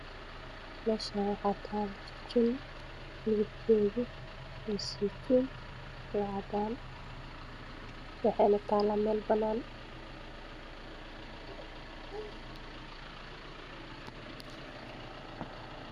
Meeshaan waxaa taalo jijin oo midabkeedu uu yahay seytuun iyo cadaan. Waxayna taalaa meel banaan ah.